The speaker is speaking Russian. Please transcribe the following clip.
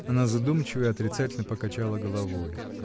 Она задумчиво и отрицательно покачала головой.